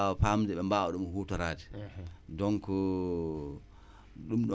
donc